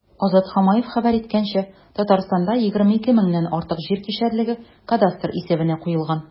Азат Хамаев хәбәр иткәнчә, Татарстанда 22 меңнән артык җир кишәрлеге кадастр исәбенә куелган.